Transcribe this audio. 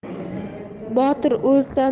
botir o'lsa nomi qolar